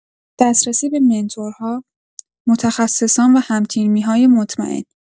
دسترسی به منتورها، متخصصان و هم‌تیمی‌های مطمئن